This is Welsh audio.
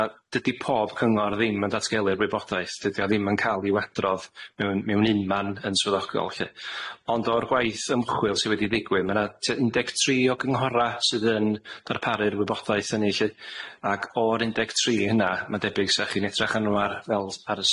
a dydi pob cyngor ddim yn datgelu'r wybodaeth. Dydi o ddim yn ca'l i'w adrodd mewn mewn unman yn swyddogol 'lly, ond o'r gwaith ymchwil sy wedi ddigwydd ma' 'na tua un deg tri o gynghora' sydd yn darparu'r wybodaeth hynny 'lly ac o'r un deg tri yna ma'n debyg 'sa chi'n edrych arno ar fel ar y